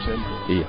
CM2